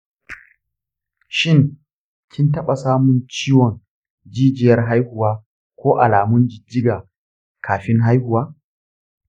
shin, kin taɓa samun ciwon jijiyar haihuwa ko alamun jijjiga kafin haihuwa?